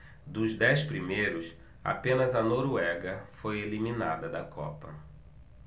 dos dez primeiros apenas a noruega foi eliminada da copa